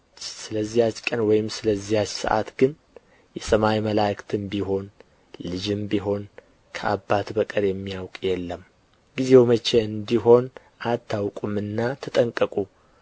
ስለዚያች ቀን ወይም ስለዚያች ሰዓት ግን የሰማይ መላእክትም ቢሆኑ ልጅም ቢሆን ከአባት በቀር የሚያውቅ የለም ጊዜው መቼ እንዲሆን አታውቁምና ተጠንቀቁ